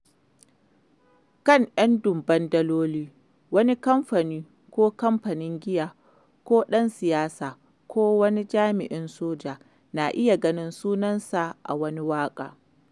Kan ‘yan dubban daloli, “wani kamfani ko kamfanin giya ko ɗan siyasa ko wani jami’in soja” na iya ganin sunansa a wani waƙe.